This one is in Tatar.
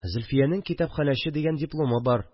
Зөлфиянең китапхәнәче дигән дипломы бар